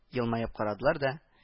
Елмаеп карадылар да